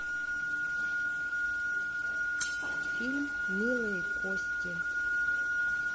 фильм милые кости